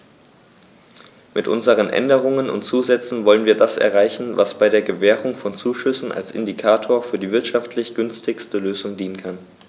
Mit unseren Änderungen und Zusätzen wollen wir das erreichen, was bei der Gewährung von Zuschüssen als Indikator für die wirtschaftlich günstigste Lösung dienen kann.